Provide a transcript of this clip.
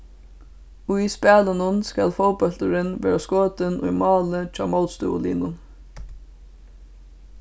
í spælinum skal fótbólturin verða skotin í málið hjá mótstøðuliðnum